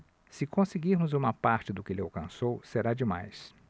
se conseguirmos uma parte do que ele alcançou será demais